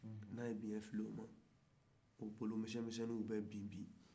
n'a ye biɲɛ fili o ma o bolomisɛn-misɛnnniw bɛ bin